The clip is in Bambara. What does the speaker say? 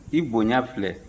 i bonya filɛ